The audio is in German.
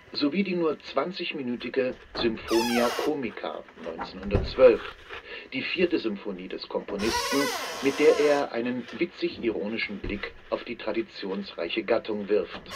sowie die nur zwanzigminütige Symphonia Comica (1912), die vierte Symphonie des Komponisten, mit der er einen witzig-ironischen Blick auf die traditionsreiche Gattung wirft